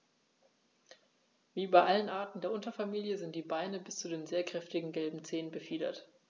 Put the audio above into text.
Wie bei allen Arten der Unterfamilie sind die Beine bis zu den sehr kräftigen gelben Zehen befiedert.